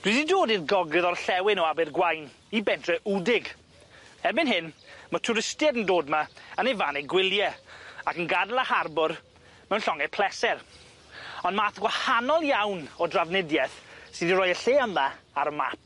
Dwi 'di dod i'r gogledd orllewin o Abergwaun i bentre Wdig erbyn hyn ma' twristied yn dod ma' yn ei fane gwylie ac yn gadl y harbwr mewn llonge pleser on' math gwahanol iawn o drafnidieth sy 'di roi y lle yma ar y map.